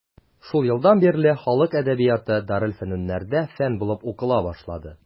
Шул елдан бирле халык әдәбияты дарелфөнүннәрдә фән булып укыла башланды.